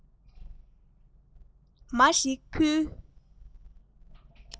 མ ཞིག ཕུལ